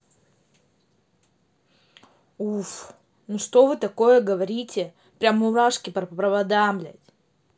уф ну что вы такое говорите прямо мурашки по проводам